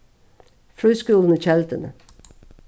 frískúlin í kelduni